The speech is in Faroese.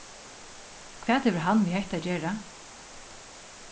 hvat hevur hann við hetta at gera